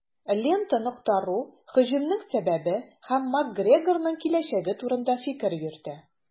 "лента.ру" һөҗүмнең сәбәбе һәм макгрегорның киләчәге турында фикер йөртә.